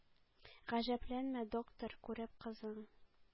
Гаҗәпләнмә, доктор, күреп кызның